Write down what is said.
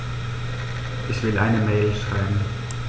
Ich will eine Mail schreiben.